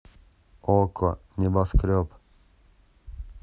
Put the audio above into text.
окко небоскреб